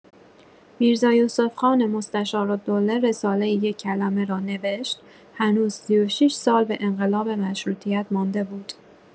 میرزا یوسف خان مستشارالدوله رساله «یک کلمه» را نوشت هنوز ۳۶ سال به انقلاب مشروطیت مانده بود.